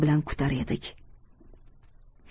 bilan kutar edik